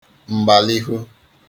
mgbàlihu